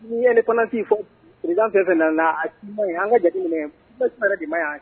dzpuis independance fɔ bi, npresident fɛn o fɛn na na a si ma ɲi, an ka jate minɛ kɛ kɛ